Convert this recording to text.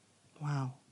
Waw.